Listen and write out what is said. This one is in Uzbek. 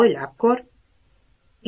o'ylab ko'r